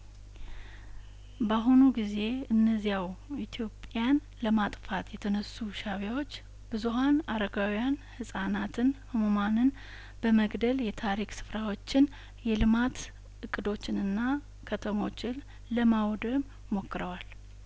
በአሁኑ ጊዜ እነዚያው ኢትዮጵያን ለማጥፋት የተነሱ ሻእቢያዎች ብዙሀን አረጋውያን ህጻናትን ህሙማንን በመግደል የታሪክ ስፍራዎችን የልማት እቅዶችንና ከተሞችን ለማውደም ሞክረዋል